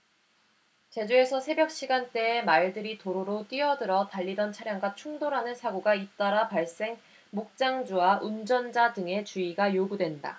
제주에서 새벽시간대에 말들이 도로로 뛰어들어 달리던 차량과 충돌하는 사고가 잇따라 발생 목장주와 운전자 등의 주의가 요구된다